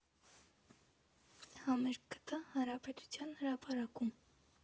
Համերգ կտա Հանրապետության հրապարակում։